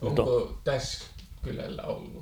onko tässä kylällä ollut